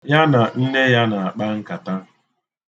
Ya na nne ya na-akpa nkata.